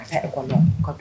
A